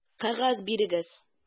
Кәгазь бирегез!